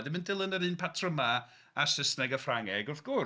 Ddim yn dilyn yr un patrymau a Saesneg a Ffrangeg wrth gwrs.